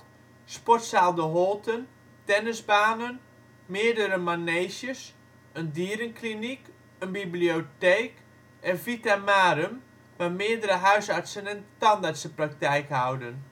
sportzaal " De Holten ", tennisbanen, meerdere maneges, een dierenkliniek, een bibliotheek en VitaMarum, waar meerdere huisartsen en tandartsen praktijk houden